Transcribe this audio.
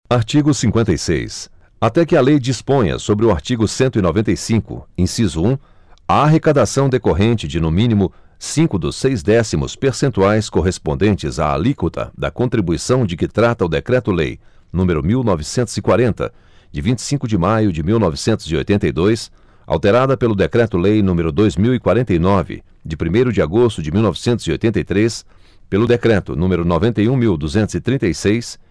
artigo cinquenta e seis até que a lei disponha sobre o artigo cento e noventa e cinco inciso um a arrecadação decorrente de no mínimo cinco dos seis décimos percentuais correspondentes à alíquota da contribuição de que trata o decreto lei número mil novecentos e quarenta de vinte e cinco de maio de mil novecentos e oitenta e dois alterada pelo decreto lei número dois mil e quarenta e nove de primeiro de agosto de mil novecentos e oitenta e três pelo decreto número noventa e um mil duzentos e trinta e seis